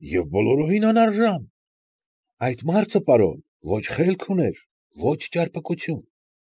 Եվ բոլորովին անարժան։ Այդ մարդը, պարոն, ոչ խելք ուներ, ոչ ճարպկություն։